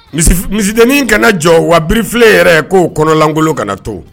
Misif misidenni kana jɔ wa birifilen yɛrɛ k'o kɔnɔlankolon kana to